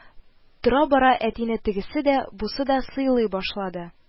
Тора-бара әтине тегесе дә, бусы да сыйлый башлады